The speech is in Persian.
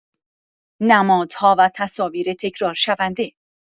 نمادها و تصاویر تکرارشونده